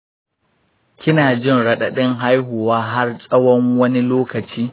kina jin radadin haihuwa har tsawon wani lokaci?